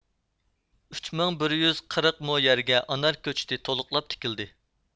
ئۈچ مىڭ بىر يۈز قىرىق مو يەرگە ئانار كۆچىتى تولۇقلاپ تىكىلدى